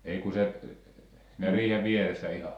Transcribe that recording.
ei kun se siinä riihen vieressä ihan